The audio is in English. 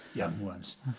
Young ones.